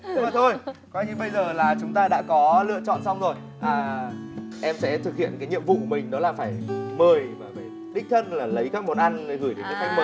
nhưng mà thôi coi như bây giờ là chúng ta đã có lựa chọn xong rồi à em sẽ thực hiện nhiệm vụ của mình đó là phải mời đích thân là lấy các món ăn gửi đến khách mời